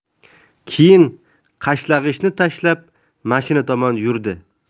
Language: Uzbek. keyin qashlag'ichini tashlab mashina tomon yurdi